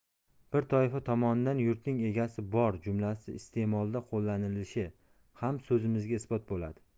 bir toifa tomonidan yurtning egasi bor jumlasi iste'molda qo'llanishi ham so'zimizga isbot bo'ladi